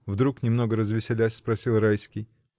— вдруг, немного развеселясь, спросил Райский.